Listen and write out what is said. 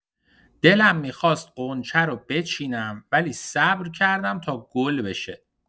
دلم می‌خواست غنچه رو بچینم ولی صبر کردم تا گل بشه.